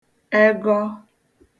ẹgọ